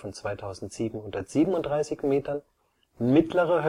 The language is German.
2737 m), Mittlere